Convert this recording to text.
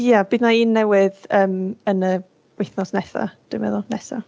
Ie bydd 'na un newydd yym yn y wythnos nesaf dwi'n meddwl, nesa